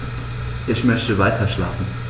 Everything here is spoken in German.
Ich möchte weiterschlafen.